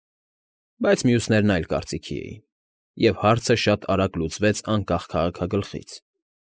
Բայց մյուսներն այլ կարծիքի էին, և հարցը շատ արագ լուծվեց անկախ քաղաքագլխից։